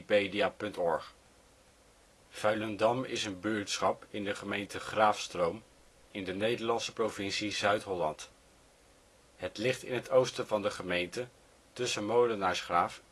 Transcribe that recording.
50 ' OL Vuilendam Buurtschap in Nederland Situering Provincie Zuid-Holland Gemeente Graafstroom Coördinaten 51° 53′ NB, 4° 51′ OL Portaal Nederland Vuilendam is een buurtschap in de gemeente Graafstroom, in de Nederlandse provincie Zuid-Holland. Het ligt in het oosten van de gemeente tussen Molenaarsgraaf